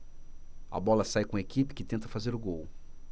a bola sai com a equipe que tenta fazer o gol